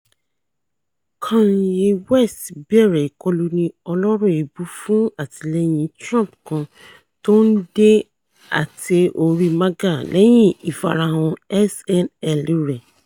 Kanye West Bẹ̀rẹ̀ Ìkọluni Ọlọ́rọ̀ Èébú fún Àtilẹ́yìn-Trump kan, tó ńdé Ate-ori MAGA, Lẹ́yìn Ìfarahàn SNL rẹ̀.